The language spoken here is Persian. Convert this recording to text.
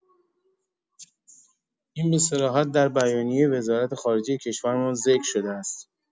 این به صراحت در بیانیه وزارت‌خارجه کشورمان ذکر شده است.